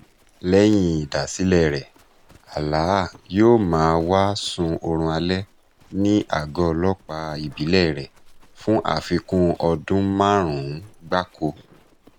Lẹ́yìn ìdásílẹ̀ẹ rẹ̀, Alaa yóò máa wá sun oorun alẹ́ ní àgọ́ ọlọ́pàá ìbílẹ̀ẹ rẹ̀ fún àfikún ọdún márùn-ún gbáko.